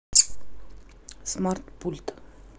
смарт пульт